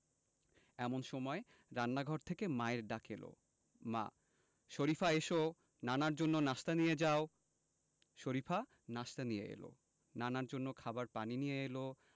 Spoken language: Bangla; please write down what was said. এমন সময় রান্নাঘর থেকে মায়ের ডাক এলো মা শরিফা এসো নানার জন্য নাশতা নিয়ে যাও শরিফা নাশতা নিয়ে এলো নানার জন্য খাবার পানি নিয়ে এলো